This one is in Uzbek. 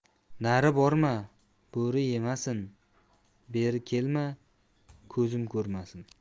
nari borma bo'ri yemasin beri kelma ko'zim ko'rmasin